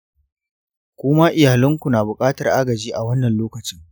kuma iyalanku na buƙatar agaji a wannan lokacin.